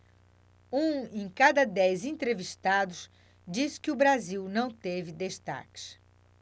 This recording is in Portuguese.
um em cada dez entrevistados disse que o brasil não teve destaques